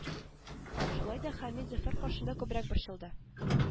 Шулай да хәмит зөфәр каршында күбрәк борчылды